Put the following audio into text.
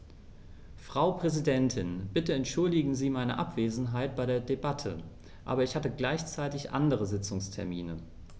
Frau Präsidentin, bitte entschuldigen Sie meine Abwesenheit bei der Debatte, aber ich hatte gleichzeitig andere Sitzungstermine.